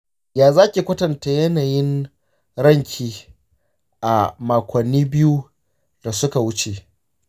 ya zaki kwatanta yanayin ranki a makonni biyu da suka wuce?